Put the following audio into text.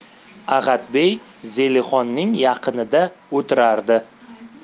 ahadbey zelixonning yaqinida o'tirardi